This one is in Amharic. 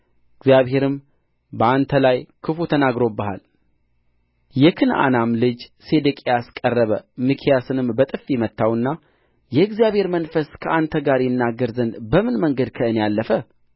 እግዚአብሔርም በአንተ ላይ ክፉ ተናግሮብሃል የክንዓናም ልጅ ሴዴቅያስ ቀረበ ሚክያስንም በጥፊ መታውና የእግዚአብሔር መንፈስ ከአንተ ጋር ይናገር ዘንድ በምን መንገድ ከእኔ አለፈ